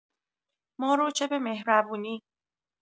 مارو چه به مهربونی